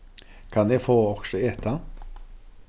kann eg fáa okkurt at eta